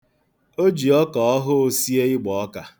O ji ọka ọhụụ sie ịgbọọka.